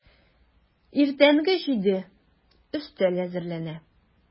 Иртәнге җиде, өстәл әзерләнә.